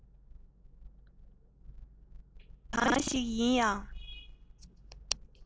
རྩོམ རིག གང ཞིག ཡིན ཡང